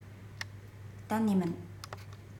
གཏན ནས མིན